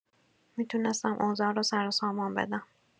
می‌تونستم اوضاع رو سروسامان بدم.